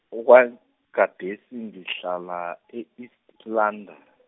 okwan- -gadesi ngihlala e- East London.